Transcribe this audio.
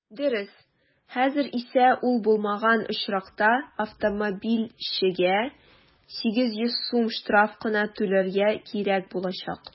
Дөрес, хәзер исә ул булмаган очракта автомобильчегә 800 сум штраф кына түләргә кирәк булачак.